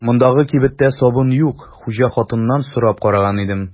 Мондагы кибеттә сабын юк, хуҗа хатыннан сорап караган идем.